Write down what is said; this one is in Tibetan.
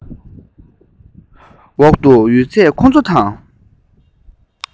འོག ཏུ ཡོད ཚད ཁོ ཚོ དང